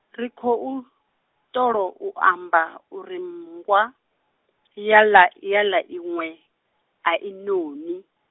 ri khou, tholo u amba uri nngwa, ya ḽa, ya ḽa iṅwe, a i noni.